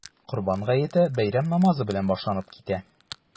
Корбан гаете бәйрәм намазы белән башланып китә.